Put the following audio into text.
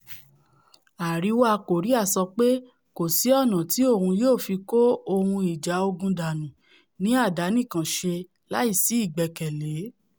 Àríwá Kòríà sọ pé 'kòsí ọ̀nà' ti òun yóò fi kó ohun ìjà ogun dánù ní àdánìkànṣe láìsí ìgbẹkẹlé